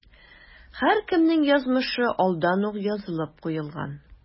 Һәркемнең язмышы алдан ук язылып куелган.